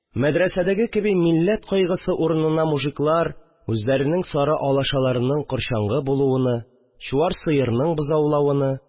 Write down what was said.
Мәдрәсәдәге кеби, милләт кайгысы урынына мужиклар үзләренең сары алашаларының корчаңгы булуыны, чуар сыерның бозаулавыны